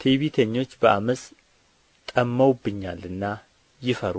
ትዕቢተኞች በዓመፅ ጠምመውብኛልና ይፈሩ